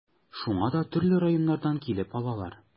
Шуңа да төрле районнардан килеп алалар.